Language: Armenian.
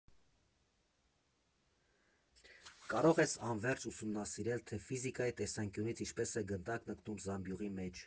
Կարող ես անվերջ ուսումնասիրել, թե ֆիզիկայի տեսանյունից ինչպես է գնդակն ընկնում զամբյուղի մեջ։